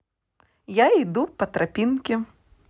я иду по тропинке